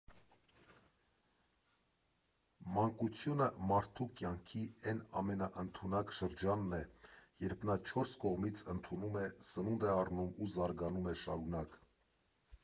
Մանկությունը մարդու կյանքի էն ամենաընդունակ շրջանն է, երբ նա չորս կողմից ընդունում է, սնունդ է առնում ու զարգանում շարունակ…